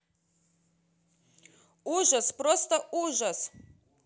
ужас просто ужас